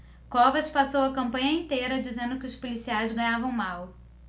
covas passou a campanha inteira dizendo que os policiais ganhavam mal